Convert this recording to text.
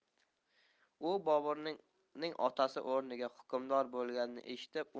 u boburning otasi o'rniga hukmdor bo'lganini eshitib